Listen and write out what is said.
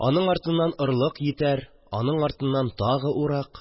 Аның артыннан уракка, аның артыннан орлык җитәр; аның артыннан тагы урак